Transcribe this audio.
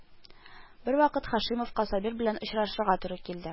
Бервакыт Һашимовка Сабир белән очрашырга туры килде